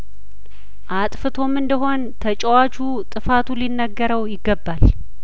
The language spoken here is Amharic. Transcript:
አጥፍቶም እንደሆን ተጫዋቹ ጥፋቱ ሊነገረው ይገባል